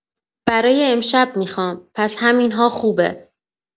برای امشب می‌خوام، پس همین‌ها خوبه.